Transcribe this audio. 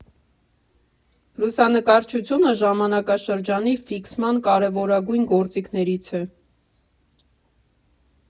Լուսանկարչությունը ժամանակաշրջանի ֆիքսման կարևորագույն գործիքներից է։